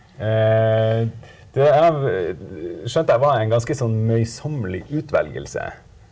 skjønte jeg var en ganske sånn møysommelig utvelgelse.